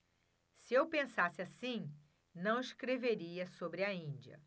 se eu pensasse assim não escreveria sobre a índia